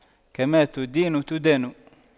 كما تدين تدان